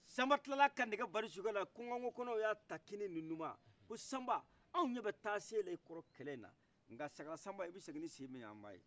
sanba kilala ka nɛkɛ bari sokɛla kokanko y' a ta kini ni nouma ko sanba anw ɲɛ bɛ ta senla e kɔrɔ kɛlɛ in na nka sakala samba ibi segin ni sen min ye an m' aye